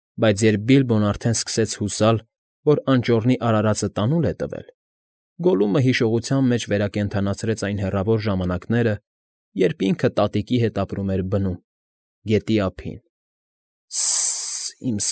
Բայց երբ Բիլբոն արդեն սկսեց հուսալ, որ անճոռնի արարածը տանուլ է տվել, Գոլլումը հիշողության մեջ վերակենդանացրեց այն հեռավոր ժամանակները, երբ ինքը տատիկի հետ ապրում էր բնում, գետի ափին։ ֊ Սը՜֊ս֊ս, իմ։